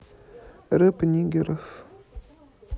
рэп нигеров